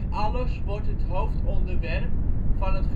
alles wordt het hoofdonderwerp van het